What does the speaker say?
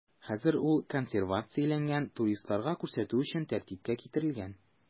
Хәзер ул консервацияләнгән, туристларга күрсәтү өчен тәртипкә китерелгән.